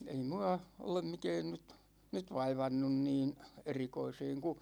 ei minua ole mikään nyt nyt vaivannut niin erikoiseen kun